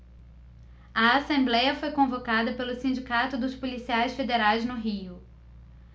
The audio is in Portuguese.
a assembléia foi convocada pelo sindicato dos policiais federais no rio